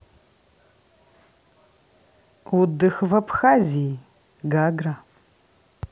отдых в абхазии гагра